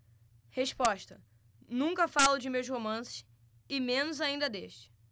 resposta nunca falo de meus romances e menos ainda deste